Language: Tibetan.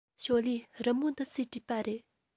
ཞོའོ ལིའི རི མོ འདི སུས བྲིས པ རེད